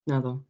Naddo.